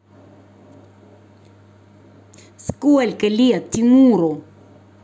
сколько лет тимуру